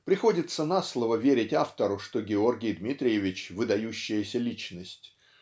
Приходится на слово верить автору, что Георгий Дмитриевич выдающаяся личность